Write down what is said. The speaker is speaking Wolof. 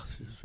surtout